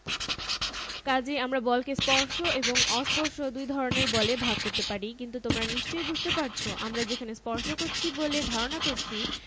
এই সৃষ্টিজগতের সকল বস্তু তাদের ভরের কারণে একে অপরকে যে বল দিয়ে আকর্ষণ করে সেটাই হচ্ছে মহাকর্ষ বল এই মহাকর্ষ বলের কারণে গ্যালাক্সির ভেতরে